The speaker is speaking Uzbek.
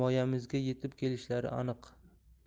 indin himoyamizga yetib kelishlari aniq